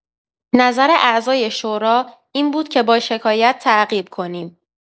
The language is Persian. نظر اعضای شورا این بود که با شکایت تعقیب کنیم.